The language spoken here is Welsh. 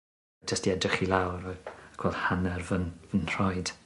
Jyst i edrych i lawr a gweld hanner fy'n fy'n nhraed.